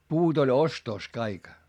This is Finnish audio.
puut oli ostossa kaikki